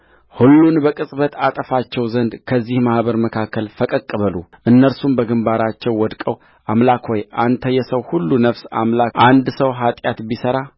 ሁሉን በቅጽበት አጠፋቸው ዘንድ ከዚህ ማኅበር መካከል ፈቀቅ በሉእነርሱም በግምባራቸው ወድቀው አምላክ ሆይ አንተ የሰው ሁሉ ነፍስ አምላክ አንድ ሰው ኃጢአት ቢሠራ